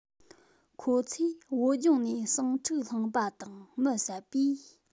ཁོ ཚོས བོད ལྗོངས ནས ཟིང འཁྲུག བསླངས བ དང མི བསད པས